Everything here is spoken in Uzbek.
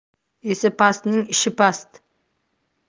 esi pastning ishi past